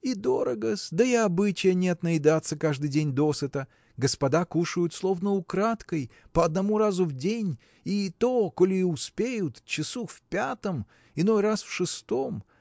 – И дорого-с, да и обычая нет наедаться каждый день досыта. Господа кушают словно украдкой по одному разу в день и то коли успеют часу в пятом иной раз в шестом